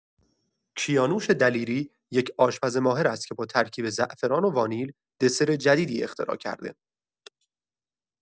کیانوش دلیری، یک آشپز ماهر است که با ترکیب زعفران و وانیل، دسر جدیدی اختراع کرده.